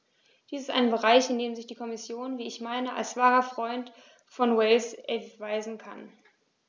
Dies ist ein Bereich, in dem sich die Kommission, wie ich meine, als wahrer Freund von Wales erweisen kann.